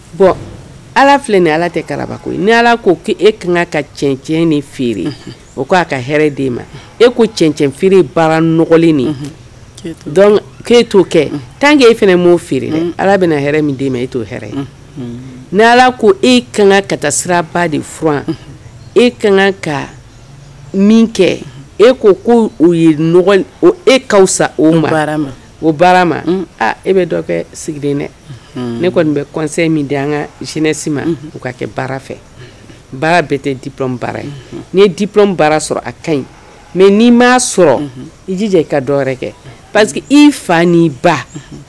Ala e ka kaɛn o ka ma e ko cɛnɛn nɔgɔlen k' e t'o e ala ko e kan ka de e ka ka min kɛ e'o ko e ka sa o o ma e bɛ kɛ dɛ ne kɔni bɛ kɔsɔn min di an kasi ma o ka kɛ baara fɛ baara bɛ tɛ di baara n ye baara sɔrɔ a ka ɲi mɛ n'i m' sɔrɔ i jija i kaɛrɛ kɛ pa i fa ni ba